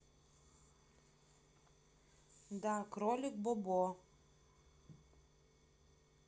да кролик бобо